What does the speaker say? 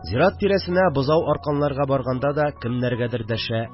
Зират тирәсенә бозау арканларга барганда да кемнәргәдер дәшә